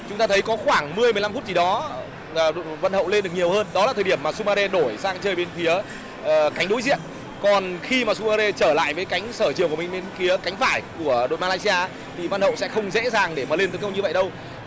chúng ta thấy có khoảng mươi mười lăm phút gì đó là đoàn văn hậu lên được nhiều hơn đó là thời điểm mà su a rê đổi sang chơi bên phía cánh đối diện còn khi mà su a rê trở lại với cánh sở trường của mình bên phía cánh phải của đội ma lai si a thì văn hậu sẽ không dễ dàng để mà lên tấn công như vậy đâu